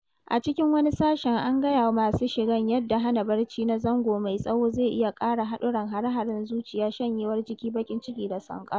A cikin wani sashen, an gaya wa masu shigan yadda hana barci na zango mai tsawo zai iya ƙara haɗuran hare-haren zuciya, shanyewar jiki, baƙin ciki da sankara.